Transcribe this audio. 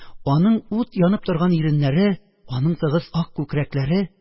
Аның ут янып торган иреннәре, аның тыгыз ак күкрәкләре...